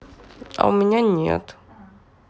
а у меня нет